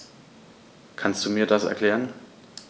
Kannst du mir das erklären?